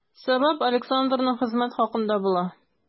Сәбәп Александрның хезмәт хакында була.